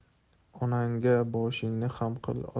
onangga boshingni xam qil